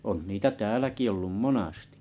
on niitä täälläkin ollut monasti